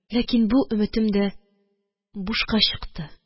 Ләкин бу өметем дә бушка чыкты.